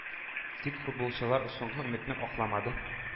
Тик футболчылар соңгы өметне акламады.